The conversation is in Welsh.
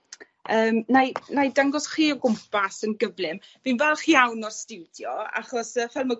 Yym nâi nâi dangos chi o gwmpas yn gyflym. Fi'n fa'ch iawn o'r stiwdio achos yy fel ma'